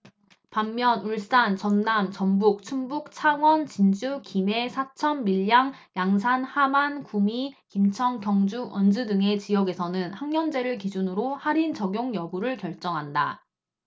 반면 울산 전남 전북 충북 창원 진주 김해 사천 밀양 양산 함안 구미 김천 경주 원주 등의 지역에서는 학년제를 기준으로 할인 적용 여부를 결정한다